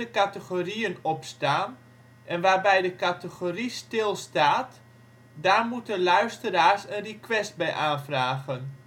categorieën opstaan en waar bij de categorie stil staat, daar moeten luisteraars een request bij aanvragen